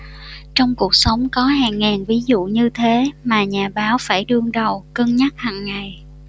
trong cuộc sống có hàng ngàn ví dụ như thế mà nhà báo phải đương đầu cân nhắc hằng ngày